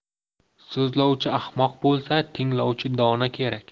so'zlovchi ahmoq bo'lsa tinglovchi dono kerak